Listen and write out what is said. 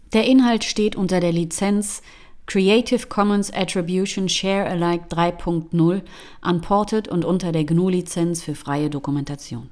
Inhalt steht unter der Lizenz Creative Commons Attribution Share Alike 3 Punkt 0 Unported und unter der GNU Lizenz für freie Dokumentation